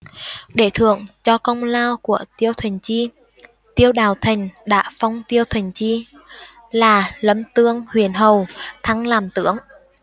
để thưởng cho công lao của tiêu thuận chi tiêu đạo thành đã phong tiêu thuận chi là lâm tương huyện hầu thăng làm tướng